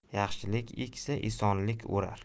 yaxshilik eksa esonlik o'rar